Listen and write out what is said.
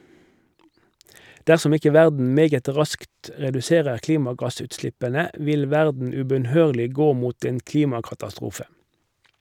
Dersom ikke verden meget raskt reduserer klimagassutslippene vil verden ubønnhørlig gå mot en klimakatastrofe.